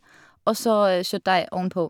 Og så kjøttdeig ovenpå.